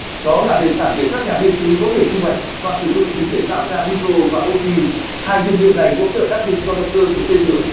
đó là nền tảng để các nhà nghiên cứu có thể thu hoạch và sử dụng chúng để tạo ra hydro và oxy hai nhiên liệu này hỗ trợ đắc lực cho động cơ của tên lửa